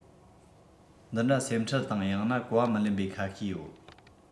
འདི འདྲ སེམས ཁྲལ དང ཡང ན གོ བ མི ལེན པའི ཁ ཤས ཡོད